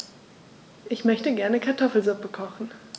Ich möchte gerne Kartoffelsuppe kochen.